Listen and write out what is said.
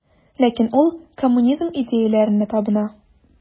Ләкин ул коммунизм идеяләренә табына.